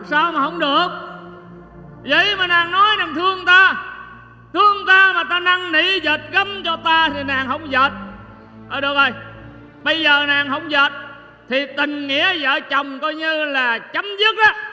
sao mà không được dậy mà nàng nói nàng thương ta thương ta mà ta năn nỉ dệt gấm cho ta thì nàng không dệt ờ được rồi bây giờ nàng hổng dệt thì tình nghĩa vợ chồng coi như là chấm dứt á